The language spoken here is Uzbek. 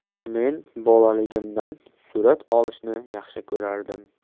men bolaligimdan surat olishni yaxshi ko'rardim